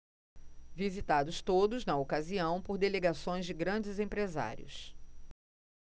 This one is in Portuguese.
visitados todos na ocasião por delegações de grandes empresários